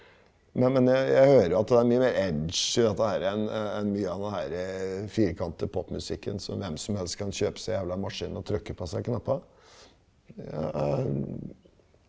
nei men jeg hører jo at det er mye mer i dette herre enn enn mye av den herre firekantpopmusikken som hvem som helst kan kjøpe seg jævla maskin og trykke på seg knappa ja .